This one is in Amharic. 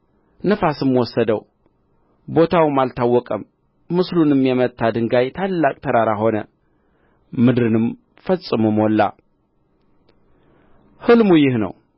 ነፋስም ወሰደው ቦታውም አልታወቀም ምስሉንም የመታ ድንጋይ ታላቅ ተራራ ሆነ ምድርንም ፈጽሞ ሞላ ሕልሙ ይህ ነው